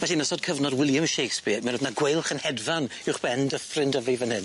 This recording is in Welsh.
Felly yn ysod cyfnod William Shakespeare mi roedd 'na gweilch yn hedfan uwchben Dyffryn Dyf fan hyn.